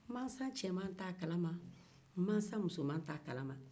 mansa cɛman tɛ a kalaman mansa musoman tɛ a kalama